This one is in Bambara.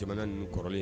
Jamana ninnu kɔrɔlen